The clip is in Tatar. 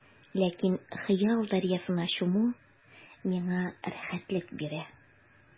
Ләкин хыял дәрьясына чуму миңа рәхәтлек бирә.